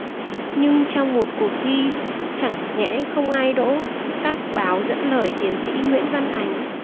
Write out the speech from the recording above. nhưng trong một cuộc thi chẳng nhẽ không ai đỗ các báo dẫn lời tiến sỹ nguyễn văn ánh